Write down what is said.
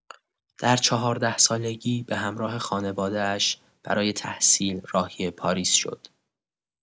در چهارده‌سالگی به همراه خانواده‌اش برای تحصیل راهی پاریس شد.